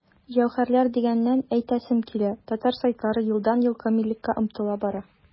Җәүһәрләр дигәннән, әйтәсем килә, татар сайтлары елдан-ел камиллеккә омтыла бара.